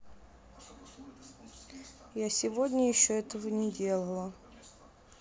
я сегодня еще этого не делала